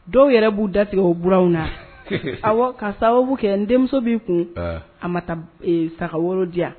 Dɔw yɛrɛ b'u da tigɛ u buranw na. . Awɔ! K'a sababu kɛ n denmuso b'i kun,. An! A ma taa, ee, sagaworo diya.